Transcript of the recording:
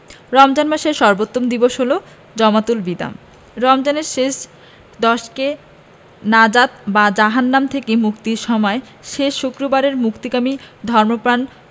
রমজান মাসের সর্বোত্তম দিবস হলো জুমাতুল বিদা রমজানের শেষ দশকে নাজাত বা জাহান্নাম থেকে মুক্তির সময়ে শেষ শুক্রবারে মুক্তিকামী ধর্মপ্রাণ